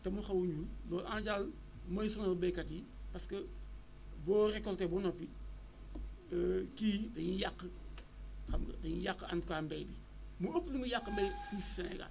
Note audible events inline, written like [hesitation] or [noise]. te mu xaw a ñuul loolu en général mooy sonal béykat yi parce que boo récolté ba noppi [hesitation] kii yi dañuy yàq xam nga dañuy yàq en tout cas mbay mi moo ëpp lu muy yàq mbay [noise] fii ci Sénégal